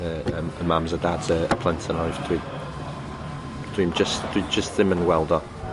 y yym y mams a dads y plant yma jys dwi dwi'n jyst dwi jyst dim yn weld o.